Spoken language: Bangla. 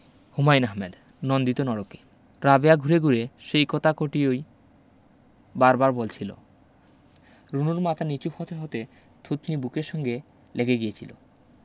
হুমায়ুন আহমেদ নন্দিত নরকে রাবেয়া ঘুরে ঘুরে সেই কথা কটিই বার বার বলছিলো রুনুর মাথা নীচু হতে হতে থুতনি বুকের সঙ্গে লেগে গিয়েছিলো